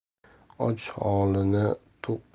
och holini to'q